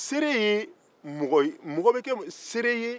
seere ye mɔgɔ ye mɔgɔ be kɛ seere ye